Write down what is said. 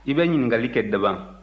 i bɛ ɲininkali kɛ daban